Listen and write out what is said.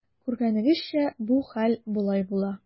Күргәнегезчә, бу хәл болай була.